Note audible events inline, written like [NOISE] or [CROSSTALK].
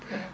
[HESITATION] [HESITATION]